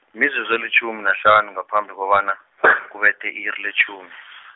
mizuzu elitjhumi nahlanu ngaphambi kobana , kubethe i-iri letjhumi.